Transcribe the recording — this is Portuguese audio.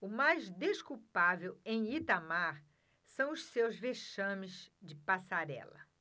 o mais desculpável em itamar são os seus vexames de passarela